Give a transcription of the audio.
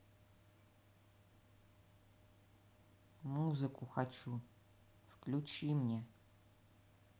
музыку хочу включи мне